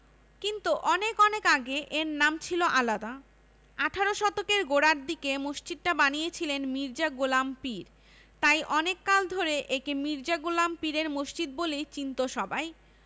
কিন্তু অনেক অনেক আগে এর নাম ছিল আলাদা আঠারো শতকের গোড়ার দিকে মসজিদটা বানিয়েছিলেন মির্জা গোলাম পীর তাই অনেক কাল ধরে একে মির্জা গোলাম পীরের মসজিদ বলেই চিনতো সবাই